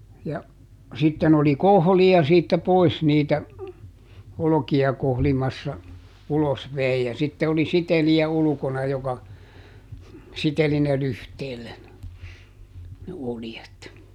ja sitten oli kohlija siitä pois niitä olkia kohlimassa ulos vei ja sitten oli sitelijä ulkona joka siteli ne lyhteelle ne oljet